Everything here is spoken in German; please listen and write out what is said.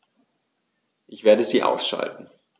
Ich werde sie ausschalten